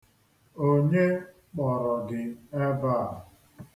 Onye kpọrọ gị ebe a?